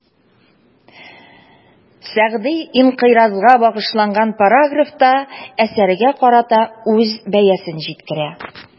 Сәгъди «инкыйраз»га багышланган параграфта, әсәргә карата үз бәясен җиткерә.